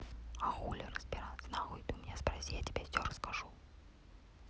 а хуле разбираться нахуй ты у меня спроси я тебе все расскажу